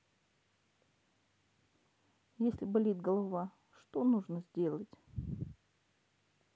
если болит голова что нужно сделать